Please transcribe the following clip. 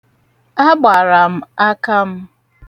Agbara m aka m.